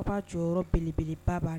Ba jɔyɔrɔ belebeleba ba la.